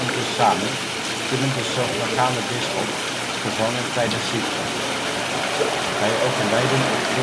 tezamen kunnen de suffragane bisschop vervangen tijdens ziekte. Bij overlijden of